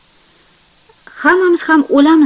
hammamiz ham o'lamiz